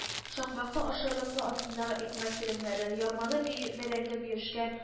Шакмаклы ашъяулыклы астындагы икмәк телемнәре, ярмалы би бәрәңге Биюшкә